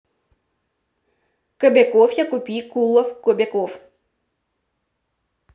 кобяков я купи кулов кобяков